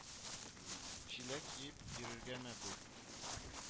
Чиләк киеп йөрергә мә бүр